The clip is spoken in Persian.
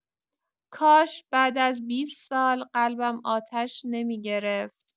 کاش بعد از بیست سال قلبم آتش نمی‌گرفت.